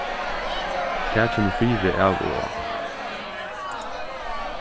tað kemur fyri av og á